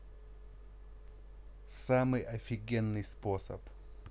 самый офигенный способ